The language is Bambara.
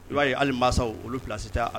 I b'a ye hali masasaw olu filalasi taa